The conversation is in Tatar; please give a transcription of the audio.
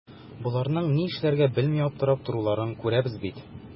Боларның ни эшләргә белми аптырап торуларын күрәбез бит.